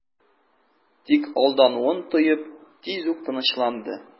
Тик алдануын тоеп, тиз үк тынычланды...